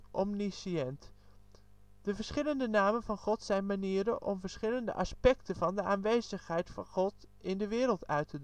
omniscient). De verschillende namen van God zijn manieren om verschillende aspecten van de aanwezigheid van God in de wereld uit